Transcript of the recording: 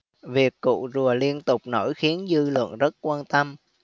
việc cụ rùa liên tục nổi khiến dự luận rất quan tâm